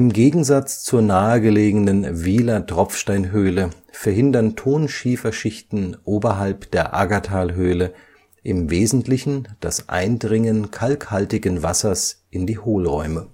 Gegensatz zur nahe gelegenen Wiehler Tropfsteinhöhle verhindern Tonschieferschichten oberhalb der Aggertalhöhle im Wesentlichen das Eindringen kalkhaltigen Wassers in die Hohlräume